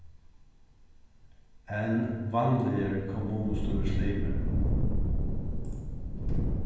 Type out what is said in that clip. enn vanligir kommunustýrislimir